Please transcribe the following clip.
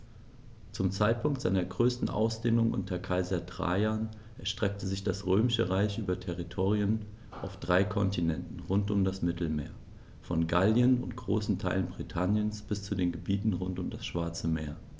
Zum Zeitpunkt seiner größten Ausdehnung unter Kaiser Trajan erstreckte sich das Römische Reich über Territorien auf drei Kontinenten rund um das Mittelmeer: Von Gallien und großen Teilen Britanniens bis zu den Gebieten rund um das Schwarze Meer.